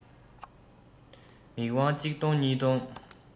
མིག དབང གཅིག ལྡོངས གཉིས ལྡོངས